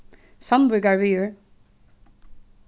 sandvíkarvegur